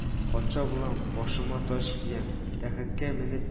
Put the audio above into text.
Патша булам, башыма таҗ киям, тәхеткә менеп